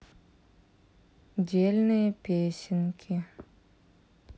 дельные песенки